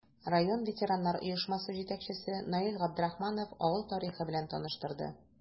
Район ветераннар оешмасы җитәкчесе Наил Габдрахманов авыл тарихы белән таныштырды.